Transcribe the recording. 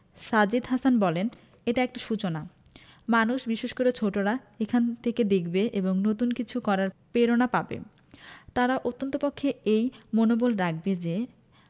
সাজিদ হাসান বললেন এটা একটা সূচনা মানুষ বিশেষ করে ছোটরা এখান থেকে দেখবে এবং নতুন কিছু করার পেরণা পাবে তারা অত্যন্তপক্ষে এই মনোবল রাখবে যে